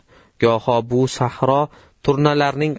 goho bu sahro turnalarning